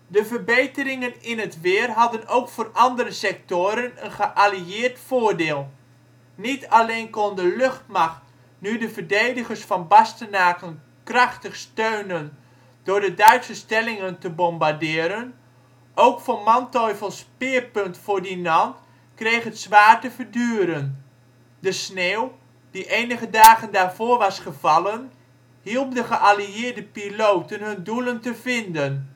De verbetering in het weer had ook voor andere sectoren een geallieerd voordeel. Niet alleen kon de luchtmacht nu de verdedigers van Bastenaken krachtig steunen door de Duitse stellingen te bombarderen, ook Von Manteuffels speerpunt voor Dinant kreeg het zwaar te verduren. De sneeuw, die enige dagen daarvoor was gevallen, hielp de geallieerde piloten hun doelen te vinden